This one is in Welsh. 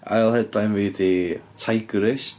Ail headline fi ydy tigerist.